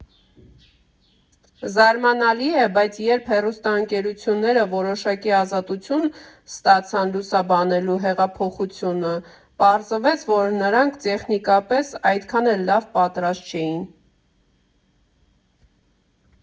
Զարմանալի է, բայց երբ հեռուստաընկերությունները որոշակի ազատություն ստացան լուսաբանելու հեղափոխությունը, պարզվեց, որ նրանք տեխնիկապես այդքան էլ լավ պատրաստ չէին։